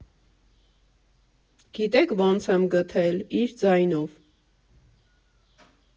Գիտե՞ք ոնց եմ գտել՝ իր ձայնով։